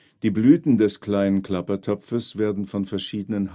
Die Blüten des Kleinen Klappertopfes werden von verschiedenen